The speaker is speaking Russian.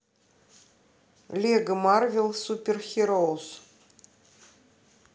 лего марвел супер хироус